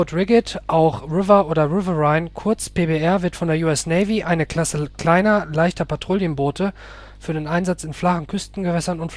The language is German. rigid (auch River oder Riverine), kurz PBR, wird von der US Navy eine Klasse kleiner, leichter Patrouillenboote für den Einsatz in flachen Küstengewässern